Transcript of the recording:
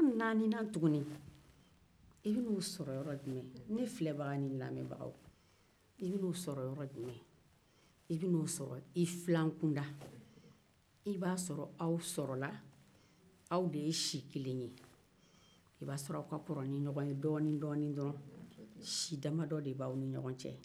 i bɛna o sɔrɔ yɔrɔ jumɛn ne filɛbaga ani ne lamɛnbagaw i bɛna o sɔrɔ yɔrɔ jumɛn i bɛna o sɔrɔ i filan kunda i b'a sɔrɔ aw sɔrɔ la aw de ye si kelen ye o b'a sɔrɔ aw ka kɔrɔ ni ɲɔgɔn ye dɔɔni dɔɔni dɔrɔn si damadɔ de bɛ aw ni ɲɔgɔn cɛ